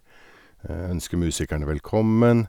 Ønske musikerne velkommen.